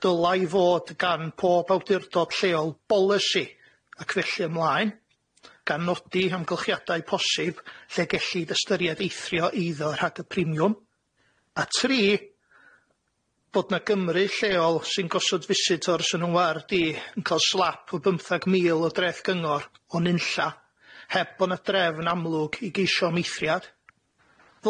dylai fod gan pob awdurdod lleol bolisi, ac felly ymlaen, gan nodi amgylchiadau posib lle gellid ystyried eithrio eiddo rhag y primiwm, a tri, bod 'na Gymry lleol sy'n gosod fisitors yn 'yn ward i yn ca'l slap o bymthag mil o dreth gyngor o nunlla, heb bo 'na drefn amlwg i geisho am eithriad.